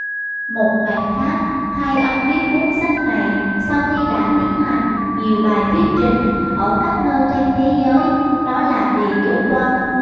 một mặt khác hai ông viết cuốn sách này sau khi đã tiến hành nhiều bài thuyết trình ở các nơi trên thế giới đó là về chủ quan